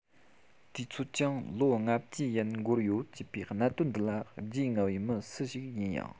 དུས ཚོད ཀྱང ལོ ལྔ བཅུའི ཡན འགོར ཡོད གནད དོན འདི ལ རྒྱུས མངའ བའི མི སུ ཞིག ཡིན ཡང